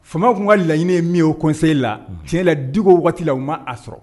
Faamaw tun ka laɲiniinɛ ye min ye haut conseil la tiyɛn